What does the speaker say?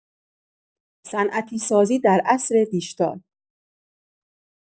صنعتی‌سازی در عصر دیجیتال